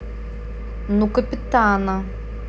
ну капитана